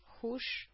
Һуш